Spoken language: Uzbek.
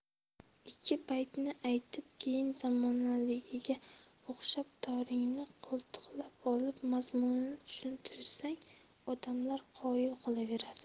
ikki baytni aytib keyin zamonaliga o'xshab toringni qo'ltiqlab olib mazmunini tushuntirsang odamlar qoyil qolaveradi